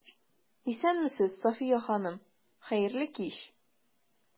Исәнмесез, Сафия ханым, хәерле кич!